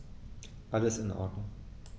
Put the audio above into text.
Alles in Ordnung.